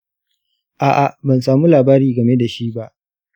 aa, ban samu labari game dashi ba.